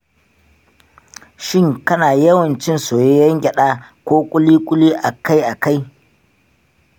shin kana yawan cin soyayyen gyaɗa ko kuli-kuli akai-akai?